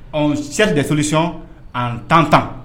Ɔ se desolic an tan tan